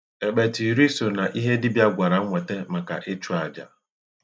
Ekpete iri so na ihe dibịa gwara m nwete maka ịchụ aja